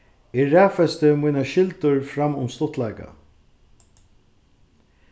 eg raðfesti mínar skyldur fram um stuttleika